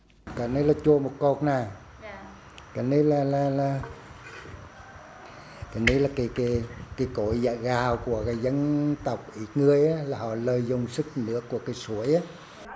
cái này là chùa một cột nè cái này là là là cái này là cái cái cái cối giã gạo của cái dân tộc ít người á là họ lợi dụng sức nước của cái suối á